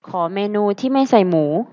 ขอเมนูที่ไม่ใส่หมู